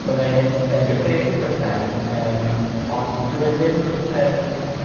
ma' fe yn gyffredin dros ben yym, ond dyw e ddim yn